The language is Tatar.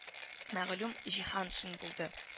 — мәгълүм җиһаншин булды